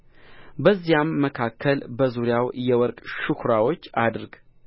በዚያም መካከል በዙሪያው የወርቅ ሻኵራዎች አድርግ